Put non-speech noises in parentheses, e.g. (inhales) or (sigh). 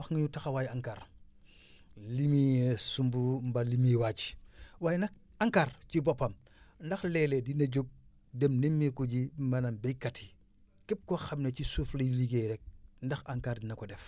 wax nga ñu taxawaay ANCAR (inhales) li muy sumb waa li muy laaj waaye nag ANCAR ci boppam ndax léeg-léeg di na jóg dem nemmeeku ji maanaam baykat yi képp koo xam ne ci suuf lay liggéeyee rek ndax ANCAR dina ko def